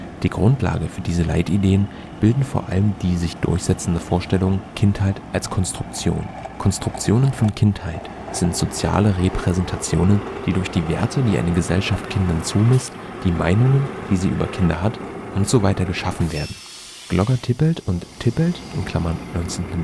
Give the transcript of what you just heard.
Die Grundlage für diese Leitideen bildet vor allem die sich durchsetzende Vorstellung Kindheit als Konstruktion. „ Konstruktionen von Kindheit sind soziale Repräsentationen, die durch die Werte, die eine Gesellschaft Kindern zumisst, die Meinungen, die sie über Kinder hat usw. geschaffen werden “. Glogger-Tippelt & Tippelt (1986